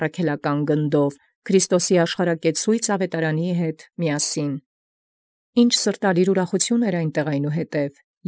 Առաքելական գնդովն, հանդերձ աշխարհակեցոյց աւետարանաւն Քրիստոսի, միանգամայն եկեալ հասեալ ի ձեռն երկուց հաւասարելոցն՝ հայաբարբառք հայերէնախաւսք գտան։